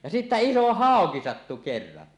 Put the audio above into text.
ja sitten iso hauki sattui kerran